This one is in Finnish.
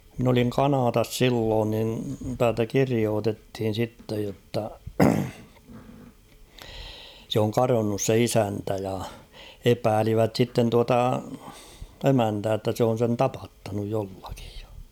minä olin Kanadassa silloin niin täältä kirjoitettiin sitten jotta se on kadonnut se isäntä ja epäilivät sitten tuota emäntää että se on sen tapattanut jollakin ja